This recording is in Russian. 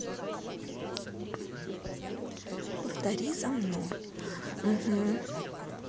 повтори за мной угу